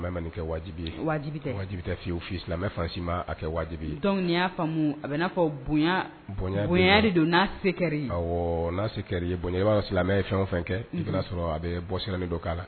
Silamɛya ma ni kɛ wajibi ye, Wajibi tɛ, wajibi tɛ fiyew, silamɛya fan si m'a kɛ wajibi donc ni n y'a faamu a bɛ n'a fɔ bonya, bonya de don , n'a se kɛla i ye, awɔ, n' se kɛl'i ye, bon i b'a don silamɛ ye fɛn o fɛn kɛ, unhun,, i bɛ n'a sɔrɔ a bɛ bɔ siranin dɔ k'a la